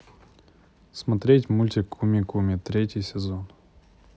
смотреть мультик куми куми третий сезон